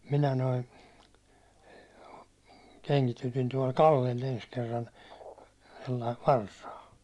minä nuo kengitytin tuolla Kallella ensi kerran sellaista varsaa